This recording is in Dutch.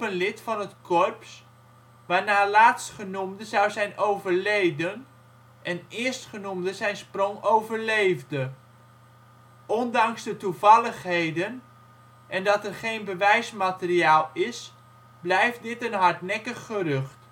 lid van het Corps, waarna laatstgenoemde zou zijn overleden en eerstgenoemde zijn sprong overleefde. Ondanks de toevalligheden en dat er geen bewijsmateriaal is, blijft dit een hardnekkig gerucht